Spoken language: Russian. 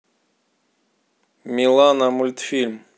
милана мультфильм